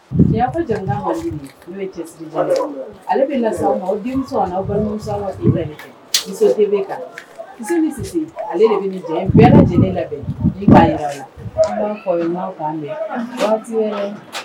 Ale bɛ balima ale de bɛ bɛɛ lajɛlen ne labɛn